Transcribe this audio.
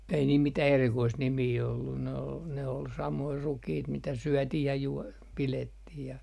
ei niillä mitään erikoista nimeä ollut ne oli samoja rukiita mitä syötiin ja - pidettiin ja